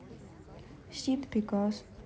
sid пегас